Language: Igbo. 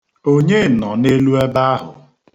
Onye nọ n'elu ebe ahụ?